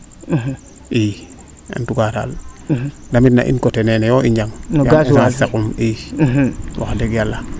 i en tout cas daal ndamit na in coté leene i njeng no gazoil yaam essence saqum wax deg yala